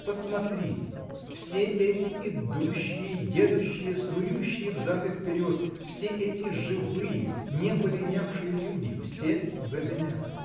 — Посмотрите, все эти идущие, едущие, снующие взад и вперед, все эти живые, не полинявшие люди — все за меня!